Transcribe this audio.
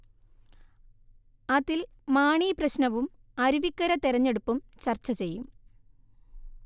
അതിൽ മാണി പ്രശ്നവും അരുവിക്കര തെരഞ്ഞെടുപ്പും ചർച്ചചെയ്യും